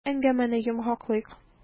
Әңгәмәне йомгаклыйк.